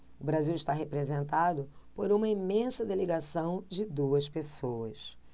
o brasil está representado por uma imensa delegação de duas pessoas